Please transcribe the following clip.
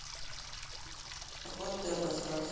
походу ты обосрался